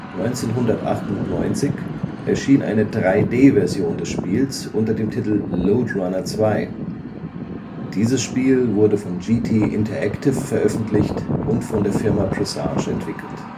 1998 erschien eine 3D-Version des Spieles unter dem Titel Lode Runner II. Dieses Spiel wurde von GT Interactive veröffentlicht und von der Firma Presage entwickelt